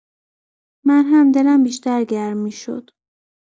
من هم دلم بیشتر گرم می‌شد.